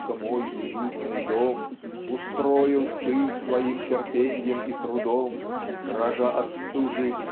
что мой уютный дом Устроил ты своим терпеньем и трудом Дрожа от стужи